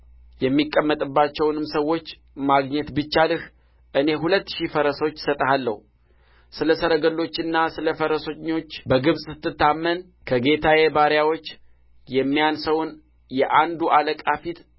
የሚቀመጡባቸውንም ሰዎች ማግኘት ቢቻልህ እኔ ሁለት ሺህ ፈረሶች እሰጥሃለሁ ስለ ሰረገሎችና ስለ ፈረሰኞች በግብጽ ስትታመን ከጌታዬ ባሪያዎች የሚያንሰውን የአንዱ አለቃ ፊት